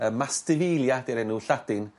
y mastivilia di'r enw Lladin